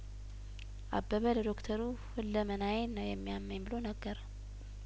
አበበ ለዶክተሩ ሁለመናዬን ነው የሚያመኝ ብሎ ነገረው